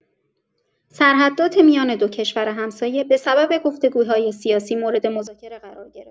سرحدات میان دو کشور همسایه به‌سبب گفت‌وگوهای سیاسی مورد مذاکره قرار گرفت.